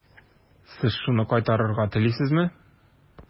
Сез шуны кайтарырга телисезме?